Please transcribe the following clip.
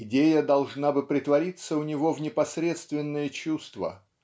идея должна бы претвориться у него в непосредственное чувство